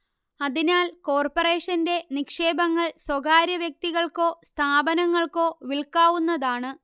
അതിനാൽ കോർപ്പറേഷന്റെ നിക്ഷേപങ്ങൾ സ്വകാര്യവ്യക്തികൾക്കോ സ്ഥാപനങ്ങൾക്കോ വിൽക്കാവുന്നതാണ്